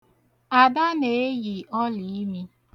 Ada na-eyi ọliimi.